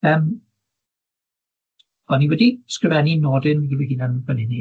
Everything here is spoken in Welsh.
Yym o'n i wedi sgrifennu nodyn i fy hunan fyn 'yn hefyd